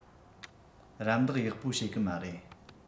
རམས འདེགས ཡག པོ བྱེད གི མ རེད